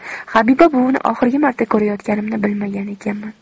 habiba buvini oxirgi marta ko'rayotganimni bilmagan ekanman